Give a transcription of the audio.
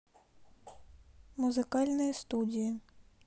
музыкальные студии